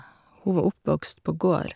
Hun var oppvokst på gård.